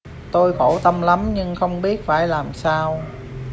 tôi khổ tâm lắm nhưng không biết phải làm sao